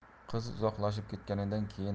qiz uzoqlashib ketgandan keyin